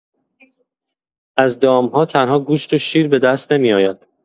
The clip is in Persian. از دام‌ها تنها گوشت و شیر به دست نمی‌آید.